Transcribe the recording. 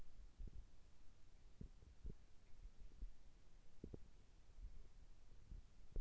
только ты меня понимаешь сбер и джонни не понимает